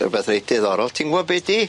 Rwbeth reit diddorol ti'n gwbo be' 'di?